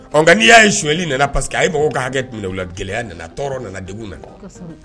Ɔ nka n'i y' ye suli nana paseke a ye bɔ k hakɛ la gɛlɛya nana tɔɔrɔ nana de nana